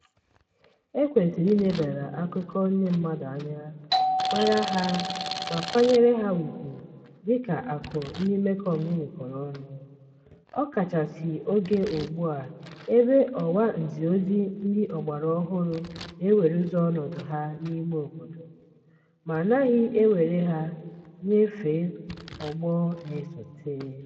E kwesịrị ilebara akụkọ ndị mmadụ anya, mara ha, ma kwanyere ha ugwu dị ka akụ ndị Mekong nwekọrọ ọnụ, ọkachasị oge ugbu a ebe ọwa nziozi ndị ọgbara ọhụrụ na-eweruzi ọnọdụ ha n'ime obodo, ma anaghị ewere ha nyefee ọ̀gbọ́ na-esote.